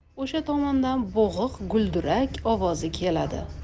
o'sha tomondan bo'g'iq guldurak ovozi keladi